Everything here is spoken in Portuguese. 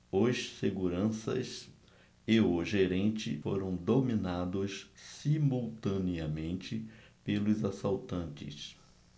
os seguranças e o gerente foram dominados simultaneamente pelos assaltantes